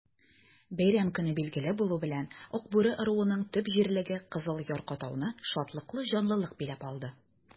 Бәйрәм көне билгеле булу белән, Акбүре ыруының төп җирлеге Кызыл Яр-катауны шатлыклы җанлылык биләп алды.